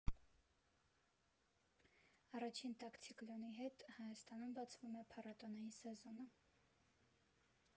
Առաջին տաք ցիկլոնի հետ Հայաստանում բացվում է փառատոնային սեզոնը։